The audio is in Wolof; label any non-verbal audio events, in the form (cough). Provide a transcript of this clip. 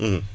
(hesitation)